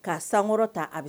Ka sankɔrɔ ta, a b